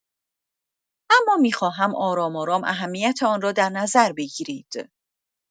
اما می‌خواهم آرام‌آرام اهمیت آن را در نظر بگیرید.